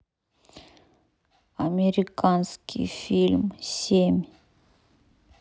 американский фильм семь